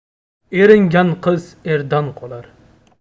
eringan qiz erdan qolar